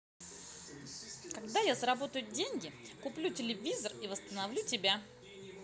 когда я заработаю деньги куплю телевизор и восстановлю тебя